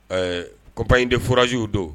Ɛɛ kɔnba in de furazw don